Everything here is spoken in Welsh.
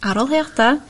aroliada.